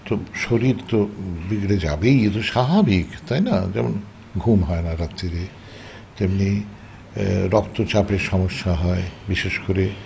তো শরীর তো বিগড়ে যাবেই এ তো স্বাভাবিক তাই না যেমন ঘুম হয় না রাত্তিরে তেমনি রক্তচাপের সমস্যা হয় বিশেষ করে